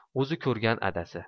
o'zi ko'rgan adasi